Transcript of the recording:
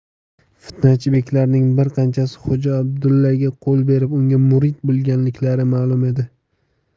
fitnachi beklarning bir qanchasi xo'ja abdullaga qo'l berib unga murid bo'lganliklari malum edi